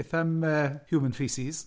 Beth am yy human faeces?